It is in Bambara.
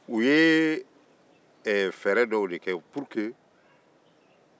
u ye fɛɛrɛ dɔw de kɛ pour que